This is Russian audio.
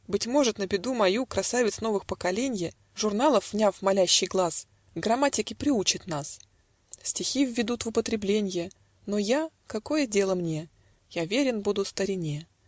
Быть может, на беду мою, Красавиц новых поколенье, Журналов вняв молящий глас, К грамматике приучит нас Стихи введут в употребленье Но я. какое дело мне? Я верен буду старине.